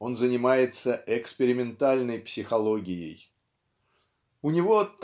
он занимается "экспериментальной психологией". У него